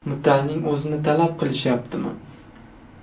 mutalning o'zini talab qilishyaptimi